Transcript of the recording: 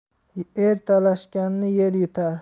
er talashganni yer yutar